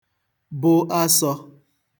bụ asọ̄